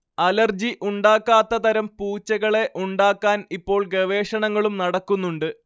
allergy ഉണ്ടാക്കാത്തതരം പൂച്ചകളെ ഉണ്ടാക്കാൻ ഇപ്പോൾ ഗവേഷണങ്ങളും നടക്കുന്നുണ്ട്